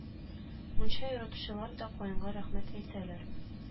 Мунча яратучылар да каенга рәхмәт әйтәләр